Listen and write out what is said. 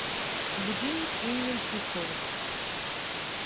будильник именем чувствовать